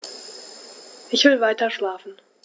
Ich will weiterschlafen.